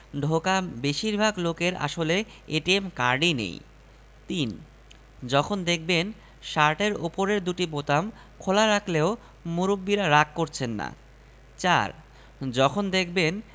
যেভাবে বুঝবেন তীব্র গরম পড়েছে ১. যখন দেখবেন দৈনিক পত্রিকায় গলা পর্যন্ত পানিতে ডুবে থাকা বাঘের ছবি ছাপা হয়েছে ২. যখন দেখবেন এটিএম বুথে